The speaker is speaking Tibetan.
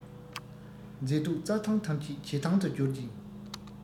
མཛེས སྡུག རྩྭ ཐང ཐམས ཅད བྱེད ཐང དུ བསྒྱུར ཅིང